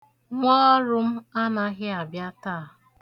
Nwọọrụ m anaghị abịa taa.